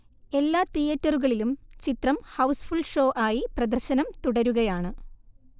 എല്ലാ തീയറ്ററുകളിലും ചിത്രം ഹൗസ്ഫുൾ ഷോ ആയി പ്രദർശനം തുടരുകയാണ്